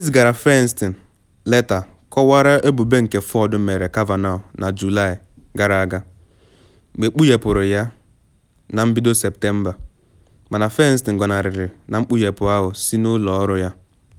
Ezigara Feinstein leta kọwara ebubo nke Ford mere Kavanaugh na Julaị gara aga, ma ekpughepuru ya na mbido nke Septemba - mana Feinstein gọnarịrị na mkpughepu ahụ si n’ụlọ ọrụ ya.